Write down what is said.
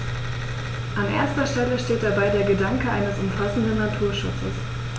An erster Stelle steht dabei der Gedanke eines umfassenden Naturschutzes.